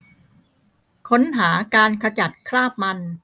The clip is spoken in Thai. ค้นหาการขจัดคราบมัน